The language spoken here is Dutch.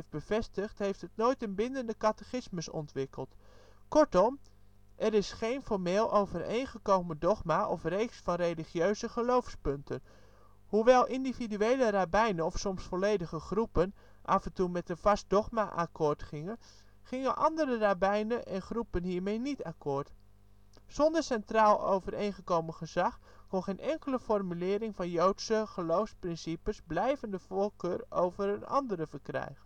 bevestigd, heeft het nooit een bindende catechismus ontwikkeld. Kortom, er is geen formeel overeengekomen dogma of reeks van religieuze geloofspunten. Hoewel individuele rabbijnen, of soms volledige groepen, af en toe met een vast dogma akkoord gingen, gingen andere rabbijnen en groepen hiermee niet akkoord. Zonder centraal overeengekomen gezag, kon geen enkele formulering van joodse geloofsprincipes blijvende voorkeur over een andere verkrijgen